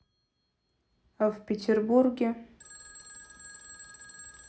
а в петербурге